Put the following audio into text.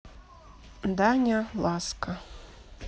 даня ласка